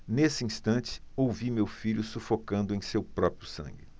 nesse instante ouvi meu filho sufocando em seu próprio sangue